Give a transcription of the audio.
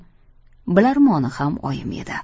bilarmoni ham oyim edi